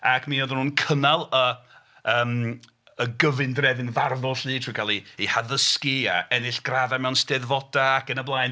Ac mi oedden nhw'n cynnal y yym y gyfundrefn farddol 'lly trwy gael eu eu haddysgu a ennill graddau mewn 'Steddfodau ac yn y blaen.